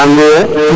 nam fio ye